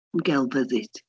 Yn gelfyddyd.